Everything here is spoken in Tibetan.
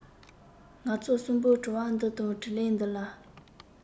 ང ཚོ གསུམ པོ དྲི བ འདི དང དྲིས ལན འདི ལ